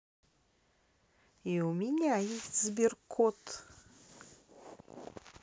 и у меня есть сберкот